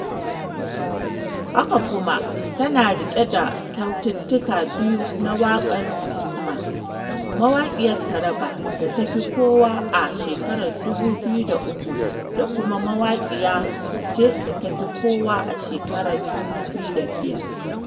Haka kuma tana riƙe da Kyaututtuka biyu na Waƙar Kisima: Mawaƙiyar Taraaba da ta fi kowa a 2003 da kuma Mawaƙiya Mace da ta fi kowa a 2005.